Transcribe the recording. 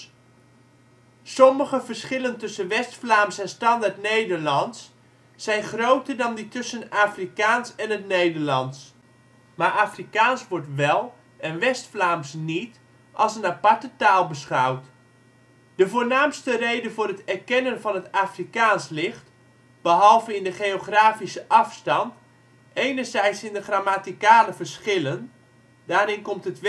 Sommige verschillen tussen West-Vlaams en Standaardnederlands zijn groter dan die tussen Afrikaans en het Nederlands, maar Afrikaans wordt wel en West-Vlaams niet als een aparte taal beschouwd. De voornaamste reden voor het erkennen van het Afrikaans ligt, behalve in de geografische afstand, enerzijds in de grammaticale verschillen: daarin komt het